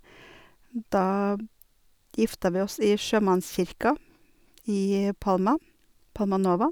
Da gifta vi oss i Sjømannskirka i Palma, Palma Nova.